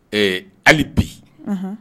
Ɛɛ hali bi